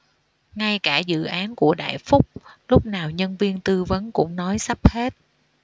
ngay cả dự án của đại phúc lúc nào nhân viên tư vấn cũng nói sắp hết